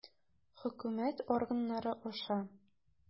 Хөкүмәт органнары аша.